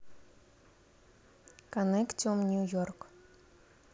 коннектикум нью йорк